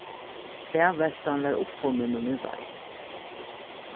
flagveltan var uppfunnin í miðvági